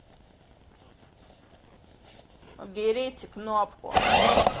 уберите кнопку